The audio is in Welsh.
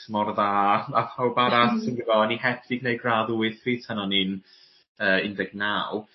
mor dda â â pawb arall ti'n gwbo o'n i heb 'di gneud gradd wyth fyth tan o'n i'n yy un deg naw